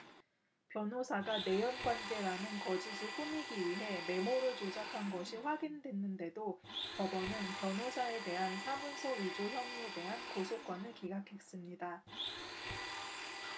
변호사가 내연관계라는 거짓을 꾸미기 위해 메모를 조작한 것이 확인됐는데도 법원은 변호사에 대한 사문서 위조 혐의에 대한 고소 건을 기각했습니다